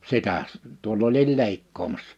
sitä tuolla olin leikkaamassa